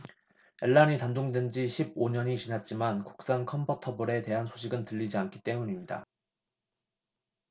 엘란이 단종된 지 십 오 년이 지났지만 국산 컨버터블에 대한 소식은 들리지 않기 때문입니다